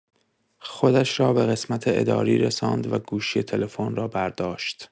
خودش را به قسمت اداری رساند و گوشی تلفن را برداشت.